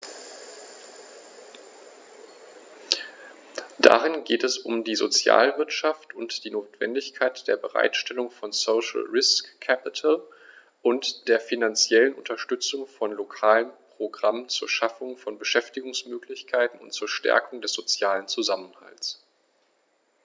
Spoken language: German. Darin geht es um die Sozialwirtschaft und die Notwendigkeit der Bereitstellung von "social risk capital" und der finanziellen Unterstützung von lokalen Programmen zur Schaffung von Beschäftigungsmöglichkeiten und zur Stärkung des sozialen Zusammenhalts.